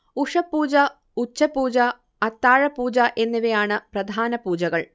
ഉഷഃപൂജ, ഉച്ചപൂജ, അത്താഴപൂജ എന്നിവയാണ് പ്രധാന പൂജകൾ